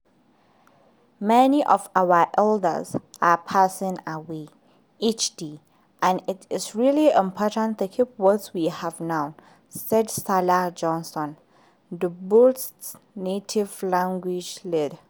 “Many of our elders are passing away, each day, and it's really important to keep what we have now,” said Sarah Johnson, the Board's native language lead.